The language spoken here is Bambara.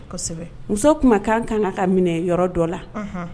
Kosɛbɛ! Muso kumakan ka kan ka minɛ yɔrɔ dɔ la. Unhun.